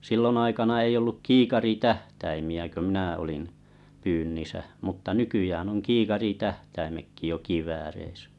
silloin aikana ei ollut kiikaritähtäimiä kun minä olin pyynnissä mutta nykyään on kiikaritähtäimetkin jo kivääreissä